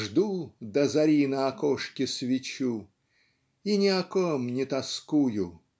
Жгу до зари на окошке свечу И ни о ком не тоскую